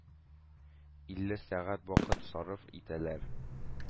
Илле сәгать вакыт сарыф итәләр.